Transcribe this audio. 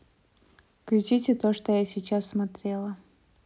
включи то что я сейчас смотрела